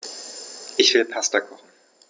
Ich will Pasta kochen.